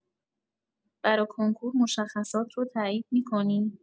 برا کنکور مشخصات رو تایید می‌کنی.